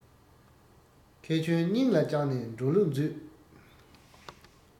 ཁེ གྱོང སྙིང ལ བཅངས ནས འགྲོ ལུགས མཛོད